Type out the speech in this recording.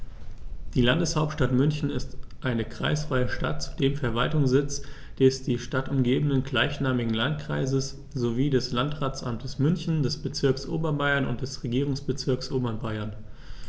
Die Landeshauptstadt München ist eine kreisfreie Stadt, zudem Verwaltungssitz des die Stadt umgebenden gleichnamigen Landkreises sowie des Landratsamtes München, des Bezirks Oberbayern und des Regierungsbezirks Oberbayern.